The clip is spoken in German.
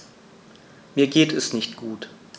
Mir geht es nicht gut.